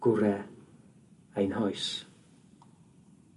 gore ein hoes.